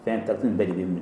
Fɛn taara n bɛɛ lajɛlen minɛ